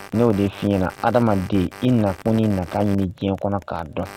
N'o de f fiɲɛɲɛna adamaden i nakun ni na ɲini diɲɛ kɔnɔ k'a dɔn